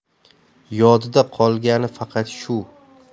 yodida qolgani faqat shu